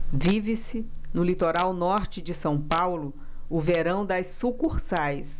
vive-se no litoral norte de são paulo o verão das sucursais